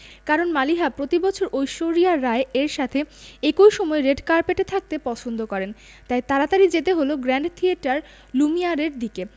কারণ মালিহা প্রতিবছর ঐশ্বরিয়া রাই এর সাথে একই সময়ে রেড কার্পেটে থাকতে পছন্দ করেন তাই তাড়াতাড়ি যেতে হলো গ্র্যান্ড থিয়েটার লুমিয়ারের দিকে